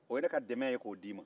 o ye ne ka dɛmɛ ye k'o di